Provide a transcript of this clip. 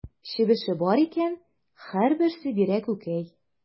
Чебеше бар икән, һәрберсе бирә күкәй.